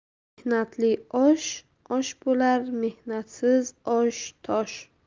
mehnatli osh osh bo'lar mehnatsiz osh tosh